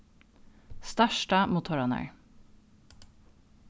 starta motorarnar